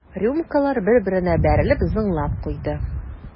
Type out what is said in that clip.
Рюмкалар бер-берсенә бәрелеп зыңлап куйды.